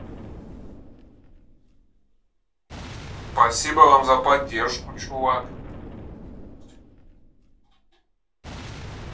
спасибо вам за поддержку чувак